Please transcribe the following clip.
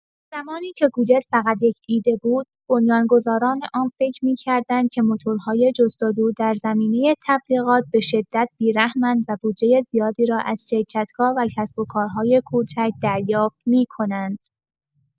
زمانی که گوگل فقط یک ایده بود، بنیانگذاران آن فکر می‌کردند که موتورهای جستجو در زمینه تبلیغات به‌شدت بی‌رحم اند و بودجه زیادی را از شرکت‌ها و کسب و کارهای کوچک دریافت می‌کنند.